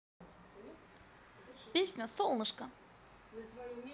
песня солнышко